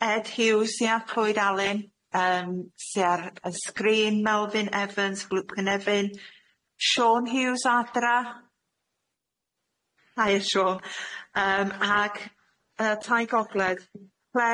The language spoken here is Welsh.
Ed Hughes ia, Clwyd Alun yym sy ar y sgrin, Melvyn Evans grŵp cynefin, Siôn Hughes o adra hiya Siôn yym ag yy tai gogled, ple